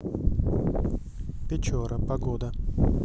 печора погода